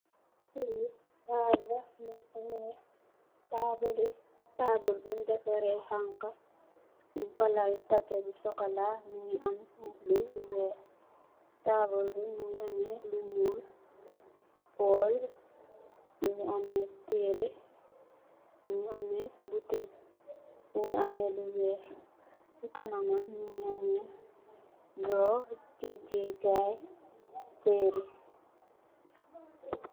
Lii sal la, mu ngi amee, taabul buñ defaree xanxa, ñung fa lal tape bu sokolaa, mu ngi am lu bulo lu sokolaa. Taabul bi, mu ngi amee lu ñuul, pool, mu ngi amee tërrë, mu ngi amee, lu weex, si kanamam mu ngi amee duroo, denchee kaay tërrë.